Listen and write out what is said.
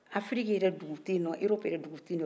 afiriki yɛrɛ dugu tɛ ye nɔn erɔpu dugu tɛyi